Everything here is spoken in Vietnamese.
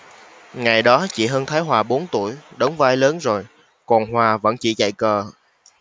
ngày đó chị hơn thái hòa bốn tuổi đóng vai lớn rồi còn hòa vẫn chỉ chạy cờ